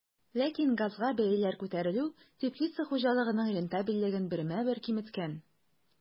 Ләкин газга бәяләр күтәрелү теплица хуҗалыгының рентабельлеген бермә-бер киметкән.